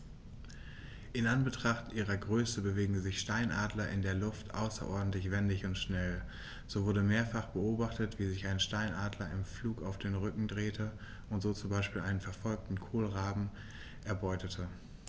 In Anbetracht ihrer Größe bewegen sich Steinadler in der Luft außerordentlich wendig und schnell, so wurde mehrfach beobachtet, wie sich ein Steinadler im Flug auf den Rücken drehte und so zum Beispiel einen verfolgenden Kolkraben erbeutete.